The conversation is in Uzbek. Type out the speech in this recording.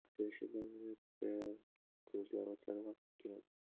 kirishi bilan yana ko'payardi va yarim kechaga borib sharillab oqqan